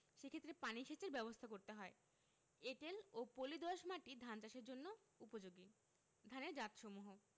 সেক্ষেত্রে পানি সেচের ব্যাবস্থা করতে হয় এঁটেল ও পলি দোআঁশ মাটি ধান চাষের জন্য উপযোগী ধানের জাতসমূহ